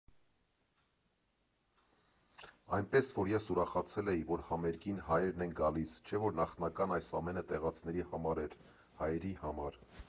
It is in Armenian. Այնպես որ ես ուրախացել էի, որ համերգին հայերն են գալիս, չէ որ նախնական այս ամենը տեղացիների համար էր, հայերի համար։